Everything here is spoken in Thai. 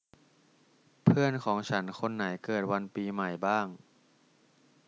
เพื่อนของฉันคนไหนเกิดวันปีใหม่บ้าง